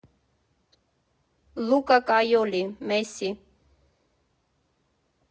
Լուկա Կայոլի «Մեսսի.